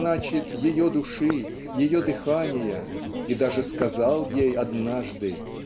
, значит, ее души, ее дыхания, и даже сказал ей однажды